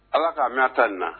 Ala k'a mɛn ta na